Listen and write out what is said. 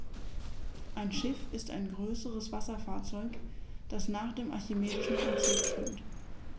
Ein Schiff ist ein größeres Wasserfahrzeug, das nach dem archimedischen Prinzip schwimmt.